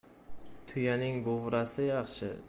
tuyaning buvrasi yaxshi